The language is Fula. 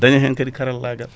daña hen kaadi karallagal